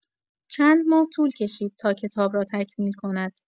چند ماه طول کشید تا کتاب را تکمیل کند.